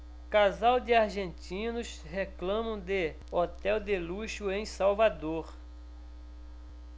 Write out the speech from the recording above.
casal de argentinos reclama de hotel de luxo em salvador